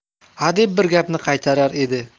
hadeb bir gapni qaytarar edi